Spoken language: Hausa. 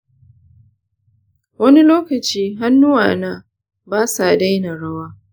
wani lokaci hannuwana ba sa daina rawa.